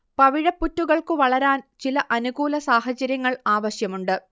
പവിഴപ്പുറ്റുകൾക്കു വളരാൻ ചില അനുകൂല സാഹചര്യങ്ങൾ ആവശ്യമുണ്ട്